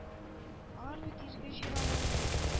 Алар бит изге җир-ананың